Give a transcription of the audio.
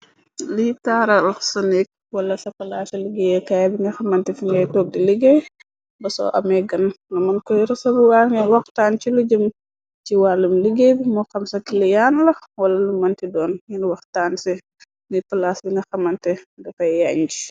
Lii taaralsonek wala sa palaasa liggéeye kaay bi nga xamante fi ngay tog di liggéey ba soo amee gan nga mën koy rësa bu war ngi wax taan ci lu jëm ci wàllum liggéey bi moo xam sa kiliyaan la wala lu manti doon ngir waxtaan ci ni palaas bi nga xamante dafay yànji.